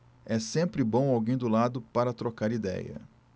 é sempre bom alguém do lado para trocar idéia